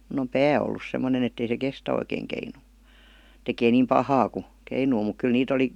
minun on pää ollut semmoinen että ei se kestä oikein keinua tekee niin pahaa kun keinuu mutta kyllä niitä oli